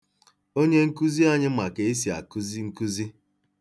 Onyenkụzi anyị ma ka e si akụzi nkụzi.